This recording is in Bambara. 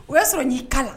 O y'a sɔrɔ n'i kala